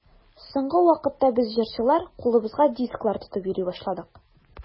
Соңгы вакытта без, җырчылар, кулыбызга дисклар тотып йөри башладык.